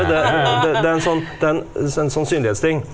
det det det er en sånn det er en en sannsynlighetsting.